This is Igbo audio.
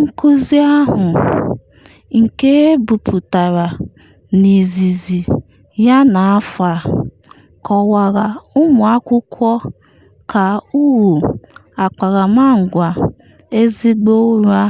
Nkuzi ahụ, nke ebupụtara n’izizi ya n’afọ a, kọwaara ụmụ akwụkwọ ka uru akparamagwa ezigbo ụra